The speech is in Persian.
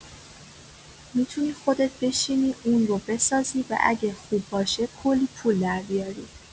می‌تونی خودت بشینی اون رو بسازی و اگه خوب باشه، کلی پول دربیاری!